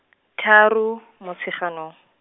tharo, Motsheganong.